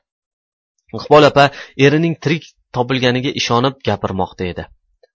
iqbol opa erining tirik topilganiga ishonib gapirmoqda edi